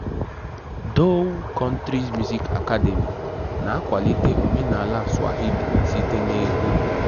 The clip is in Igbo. Dhow Countries Music Academy na-akwalite omenala Swahili site n'egwu